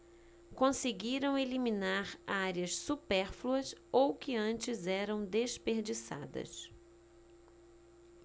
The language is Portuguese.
conseguiram eliminar áreas supérfluas ou que antes eram desperdiçadas